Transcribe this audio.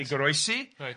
di goroesi... Reit.